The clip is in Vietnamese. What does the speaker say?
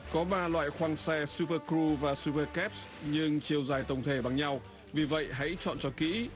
có ba loại khoang xe súp pơ cu và súp pơ kép nhưng chiều dài tổng thể bằng nhau vì vậy hãy chọn cho kỹ